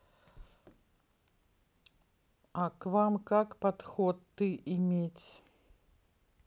а к вам как подход ты иметь